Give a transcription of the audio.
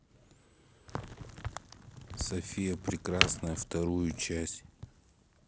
софия прекрасная вторую часть